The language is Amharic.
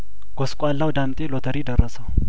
ጐስቋላው ዳምጤ ሎተሪ ደረሰው